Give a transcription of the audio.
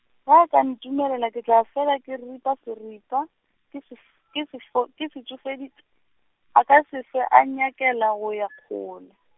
ge a ka ntumelela ke tla fela ke ripa seripa, ke se f-, ke se fo-, ke setšo fedi , a ka se hlwe a nyakela go ya kgole.